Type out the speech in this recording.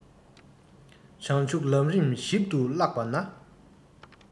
བྱང ཆུབ ལམ རིམ ཞིབ ཏུ བཀླགས པ ན